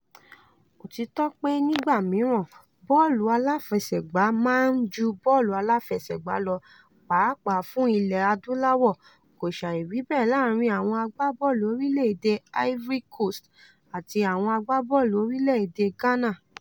Òtítọ́ pé nígbà mìíràn bọ́ọ̀lù aláfẹsẹ̀gbá "máa ń ju bọ́ọ̀lù àfẹsẹ̀gbá lọ", pàápàá fún Ilẹ̀ Adúláwò, kò sàì rí bẹ́ẹ̀ láàárín àwọn agbábọ́ọ̀lù Orílẹ̀-èdè Ivory Coast àti àwọn agbábọ́ọ̀lù Orílẹ̀-èdè Ghana.